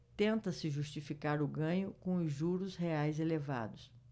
tenta-se justificar o ganho com os juros reais elevados